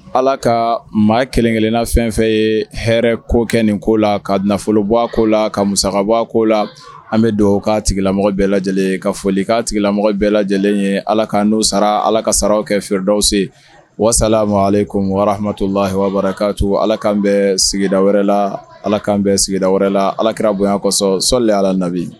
Ala ka maa kelenkelenna fɛn fɛn ye hɛrɛ ko kɛ nin ko la ka nafolo bɔko la ka musaka bɔko la an bɛ don ka tigilamɔgɔ bɛɛ lajɛlen ka foli k ka tigilamɔgɔ bɛɛ lajɛlen ye ala k n' sara ala ka saraw kɛ fɛda sen walasasala ma ale ko hamato lawabara ka to alakan bɛ sigida wɛrɛ la ala kan bɛ sigida wɛrɛ la alakira bonya kɔsɔ sɔli ala labɛn